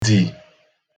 dì